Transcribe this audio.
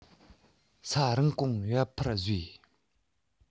ས རིན གོང ཡར འཕར བཟོས